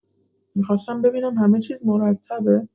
می‌خواستم ببینم همه‌چیز مرتبه؟